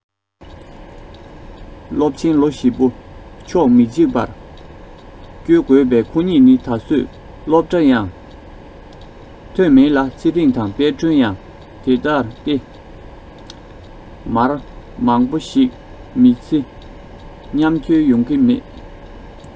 སློབ ཆེན ལོ བཞི པོ ས ཕྱོགས མི གཅིག པར བསྐྱོལ དགོས པ ཁོ གཉིས ནི ད གཟོད སློབ གྲྭ ཡང ཐོན མེད ལ ཚེ རིང དང དཔལ སྒྲོན ཡང དེ ལྟ སྟེ མར མང པོ ཞིག མི ཚེ མཉམ འཁྱོལ ཡོང གི མེད